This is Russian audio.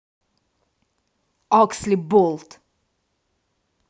axli болт